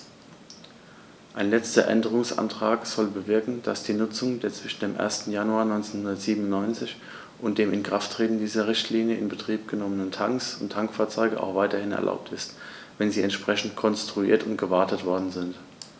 Ein letzter Änderungsantrag soll bewirken, dass die Nutzung der zwischen dem 1. Januar 1997 und dem Inkrafttreten dieser Richtlinie in Betrieb genommenen Tanks und Tankfahrzeuge auch weiterhin erlaubt ist, wenn sie entsprechend konstruiert und gewartet worden sind.